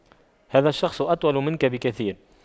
هذا الشخص أطول منك بكثير